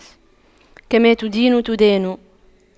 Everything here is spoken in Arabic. كما تدين تدان